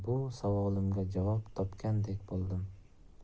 savolimga javob topgandek bo'ldim